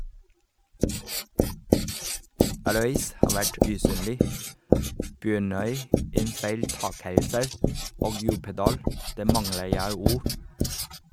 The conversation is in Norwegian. Røys har vært usynlig, Bjørnøy en feiltakelse og Djupedal - der mangler jeg ord.